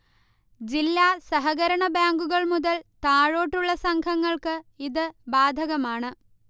ജില്ലാ സഹകരണ ബാങ്കുകൾ മുതൽ താഴോട്ടുള്ള സംഘങ്ങൾക്ക് ഇത് ബാധകമാണ്